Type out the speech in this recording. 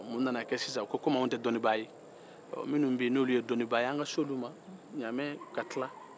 mun nana kɛ sisan ko kɔmi an tɛ dɔɔnibaga minnu bɛ yen n'olu ye dɔɔnibaga an ka se olu ma ɲamɛ ka tilan